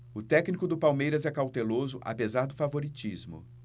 o técnico do palmeiras é cauteloso apesar do favoritismo